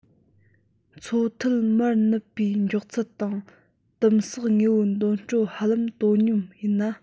མཚོ མཐིལ མར ནུབ པའི མགྱོགས ཚད དང དིམ བསགས དངོས པོའི འདོན སྤྲོད ཧ ལམ དོ སྙོམས ཡིན ན